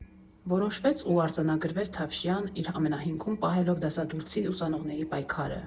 Որոշվեց ու արձանագրվեց Թավշյան՝ իր ամենահիմքում պահելով դասադուլցի ուսանողների պայքարը։